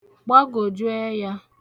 gbagwòju ẹyā